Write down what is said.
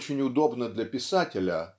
очень удобна для писателя